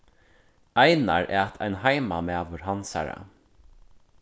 einar æt ein heimamaður hansara